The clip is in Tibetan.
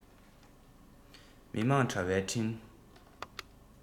མི དམངས དྲ བའི འཕྲིན